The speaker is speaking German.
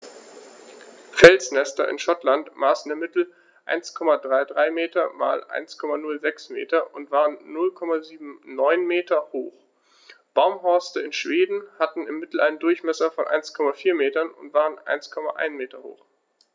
Felsnester in Schottland maßen im Mittel 1,33 m x 1,06 m und waren 0,79 m hoch, Baumhorste in Schweden hatten im Mittel einen Durchmesser von 1,4 m und waren 1,1 m hoch.